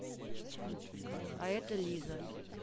а это лиза